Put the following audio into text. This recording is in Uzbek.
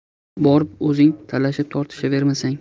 borib o'zing talashibtortishaverasan